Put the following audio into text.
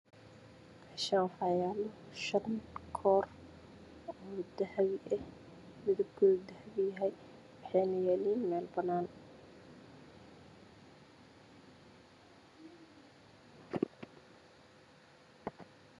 Meeshaan waxaa yaalo shan koor oo dahabi ah waxayna yaalan meel banaan ah.